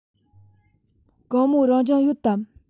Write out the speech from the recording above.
དགོང མོ རང སྦྱོང ཡོད དམ